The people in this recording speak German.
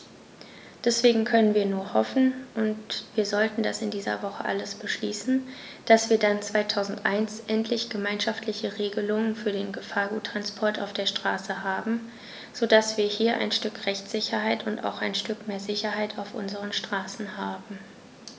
Deswegen können wir nur hoffen - und wir sollten das in dieser Woche alles beschließen -, dass wir dann 2001 endlich gemeinschaftliche Regelungen für den Gefahrguttransport auf der Straße haben, so dass wir hier ein Stück Rechtssicherheit und auch ein Stück mehr Sicherheit auf unseren Straßen haben.